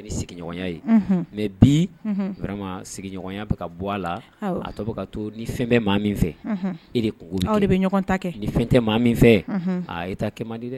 Mɛ bi sigiya bɛ bɔ a la a to ka to ni fɛn bɛɛ mɔgɔ min fɛ iugu bɛ ɲɔgɔn ta kɛ fɛn tɛ maa min fɛ i ta kɛ di dɛ